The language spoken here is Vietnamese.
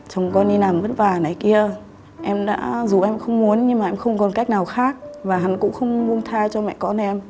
chồng con đi nàm vất vả này kia em đã dù em không muốn nhưng mà em không còn cách nào khác và hắn cũng không buông tha cho mẹ con em